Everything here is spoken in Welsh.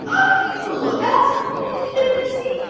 O yym Liberty?